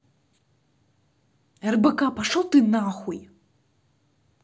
рбк пошел ты нахуй